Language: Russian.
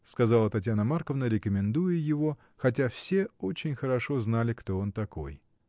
— сказала Татьяна Марковна, рекомендуя его, хотя все очень хорошо знали, кто он такой.